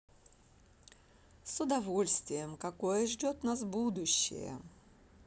с удовольствием какое ждет нас будущее